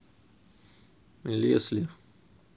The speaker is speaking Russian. лесли